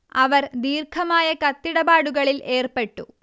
അവർ ദീർഘമായ കത്തിടപാടുകളിൽ ഏർപ്പെട്ടു